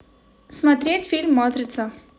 смотреть фильм матрица